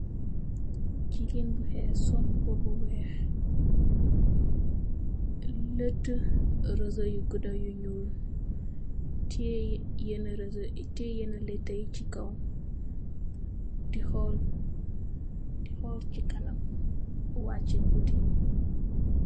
Jigeen bu khess sul mboba bu wekh letuh razzoh yu gudah hu nyul teyeh yena letuh si kaw di xhol si kanam wache butam yi